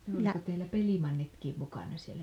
oliko teillä pelimannitkin mukana siellä